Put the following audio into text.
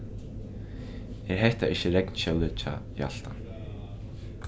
er hetta ikki regnskjólið hjá hjalta